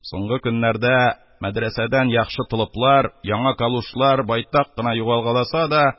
Соңгы көннәрдә мәдрәсәдән яхшы толыплар, яңа калушлар байтак кына югалгаласа да